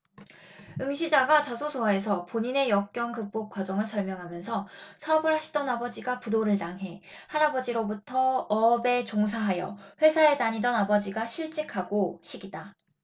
응시자가 자소서에서 본인의 역경 극복 과정을 설명하면서 사업을 하시던 아버지가 부도를 당해 할아버지부터 어업에 종사하여 회사에 다니던 아버지가 실직하고 식이다